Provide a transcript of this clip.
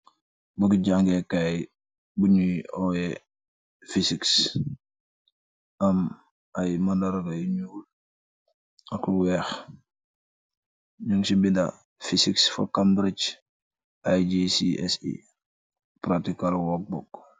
Book gui jaangeh kaii bu njui oryeh physics, am aiiy maandarr gah yu njull ak wekh, njung cii binda physics for Cambridge IGCSE practical work book.